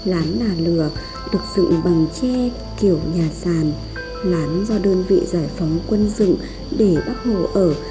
lán là nừa được dựng bằng tre kiểu nhà sàn lán do đơn vị giải phóng quân dựng để bác hồ ở